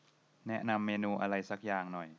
แนะนำเมนูอะไรสักอย่างหน่อย